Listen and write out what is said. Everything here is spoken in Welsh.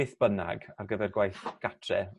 beth bynnag ar gyfer gwaith gatre